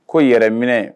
Ko yɛrɛ minɛ